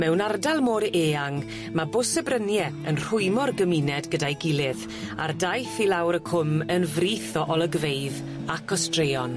Mewn ardal mor eang ma' bws y brynie yn rhwymo'r gymuned gyda'i gilydd a'r daith i lawr y cwm yn frith o olygfeydd ac o straeon.